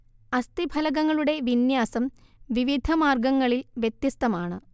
അസ്ഥിഫലകങ്ങളുടെ വിന്യാസം വിവിധ വർഗങ്ങളിൽ വ്യത്യസ്തമാണ്